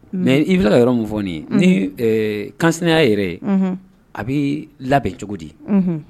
Mɛ i bɛ yɔrɔ min fɔɔni ni kanya yɛrɛ a bɛ labɛn cogo di